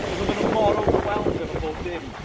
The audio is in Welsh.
Cos oedden nhw mor overwhelmed efo bod dim.